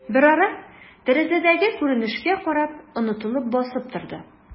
Берара, тәрәзәдәге күренешкә карап, онытылып басып торды.